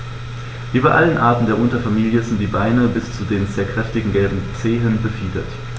Wie bei allen Arten der Unterfamilie sind die Beine bis zu den sehr kräftigen gelben Zehen befiedert.